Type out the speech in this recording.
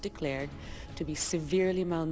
tích len tu bi si via ma nơ